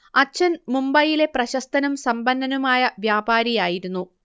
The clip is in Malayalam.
അച്ഛൻ മുംബൈയിലെ പ്രശസ്തനും സമ്പന്നനുമായ വ്യാപാരിയായിരുന്നു